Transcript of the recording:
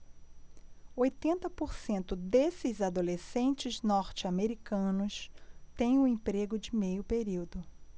oitenta por cento desses adolescentes norte-americanos têm um emprego de meio período